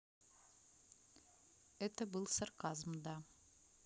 это был сарказм да